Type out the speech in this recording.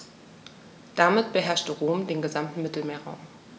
Damit beherrschte Rom den gesamten Mittelmeerraum.